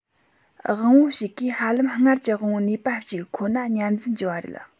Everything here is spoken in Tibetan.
དབང པོ ཞིག གིས ཧ ལམ སྔར གྱི དབང པོའི ནུས པ གཅིག ཁོ ན ཉར འཛིན བགྱི བ རེད